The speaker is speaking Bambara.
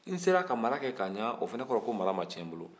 n sera ka mara kɛ k'a ɲa o fana kɔrɔ ye ko mara ma tiɲɛ n bolo